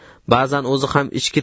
ba'zan o'zi ham ichki